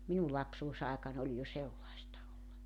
minun lapsuusaikani oli jo sellaista oli